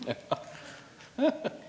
ja .